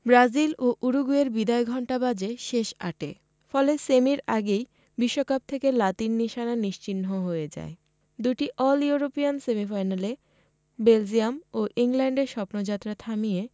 Brazil ও উরুগুয়ের বিদায়ঘণ্টা বাজে শেষ আটে ফলে সেমির আগেই বিশ্বকাপ থেকে লাতিন নিশানা নিশ্চিহ্ন হয়ে যায় দুটি অল ইউরোপিয়ান সেমিফাইনালে বেলজিয়াম ও ইংল্যান্ডের স্বপ্নযাত্রা থামিয়ে